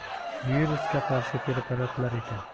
virusga qarshi preparatlar ekan